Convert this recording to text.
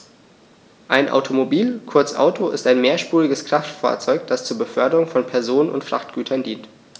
Ein Automobil, kurz Auto, ist ein mehrspuriges Kraftfahrzeug, das zur Beförderung von Personen und Frachtgütern dient.